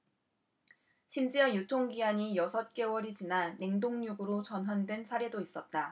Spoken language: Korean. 심지어 유통기한 여섯 개월이 지나 냉동육으로 전환된 사례도 있었다